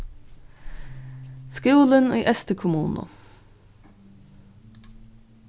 skúlin í eysturkommunu